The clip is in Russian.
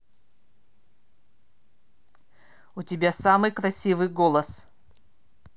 у тебя самый красивый голос